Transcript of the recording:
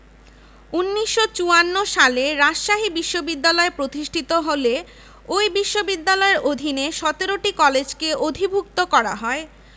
১৯৫৪ সালে রাজশাহী বিশ্ববিদ্যালয় প্রতিষ্ঠিত হলে ওই বিশ্ববিদ্যালয়ের অধীনে ১৭টি কলেজকে অধিভুক্ত করা হয়